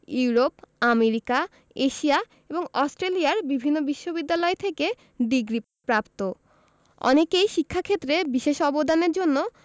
Europe America Asia এবং অস্ট্রেলিয়ার বিভিন্ন বিশ্ববিদ্যালয় থেকে ডিগ্রিপ্রাপ্ত অনেকেই শিক্ষাক্ষেত্রে বিশেষ অবদানের জন্য